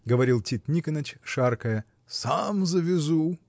— говорил Тит Никоныч, шаркая, — сам завезу.